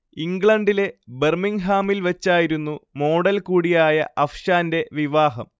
ഇംഗ്ലണ്ടിലെ ബർമിങ്ഹാമിൽ വെച്ചായിരുന്നു മോഡൽ കൂടിയായ അഫ്ഷാന്റെ വിവാഹം